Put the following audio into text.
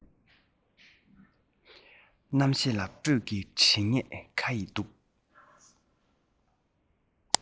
རྣམ ཤེས ལ སྤོས ཀྱི དྲི ངད ཁ ཡི འདུག